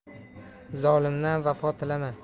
zolimdan vafo tilama